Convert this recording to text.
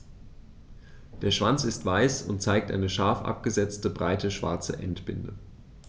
Der Schwanz ist weiß und zeigt eine scharf abgesetzte, breite schwarze Endbinde.